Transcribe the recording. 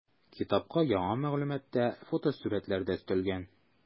Китапка яңа мәгълүмат та, фотосурәтләр дә өстәлгән.